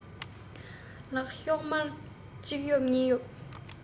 ལག ཤོག དམར གཅིག གཡོབ གཉིས གཡོབ